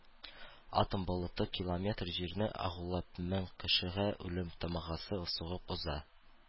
Атом болыты километр җирне агулап мең кешегә үлем тамгасы сугып уза.